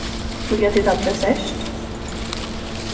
vilja tit hava dessert